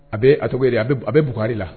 A bɛ a tɔgɔ ye di a a bɛ Bugkari la